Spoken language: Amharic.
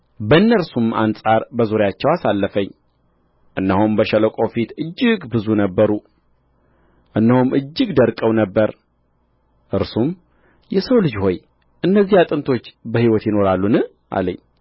በእነርሱም አንጻር በዙሪያቸው አሳለፈኝ እነሆም በሸለቆው ፊት እጅግ ብዙ ነበሩ እነሆም እጅግ ደርቀው ነበር እርሱም የሰው ልጅ ሆይ እነዚህ አጥንቶች በሕይወት ይኖራሉን አለኝ